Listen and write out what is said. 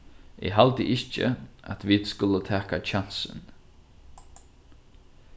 eg haldi ikki at vit skulu taka kjansin